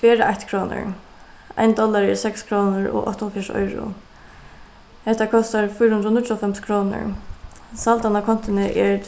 tvær eittkrónur ein dollari er seks krónur og áttaoghálvfjerðs oyru hetta kostar fýra hundrað og níggjuoghálvtrýss krónur saldan á kontuni er